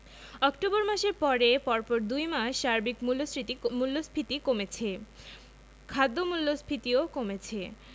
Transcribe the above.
October মাসের পরে পরপর দুই মাস সার্বিক মূল্যস্ফীতি কমেছে খাদ্য মূল্যস্ফীতিও কমেছে